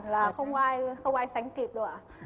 là không ai không ai sánh kịp đâu ạ